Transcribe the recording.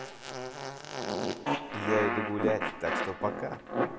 я иду гулять так что пока